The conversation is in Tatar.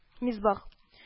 Мисбах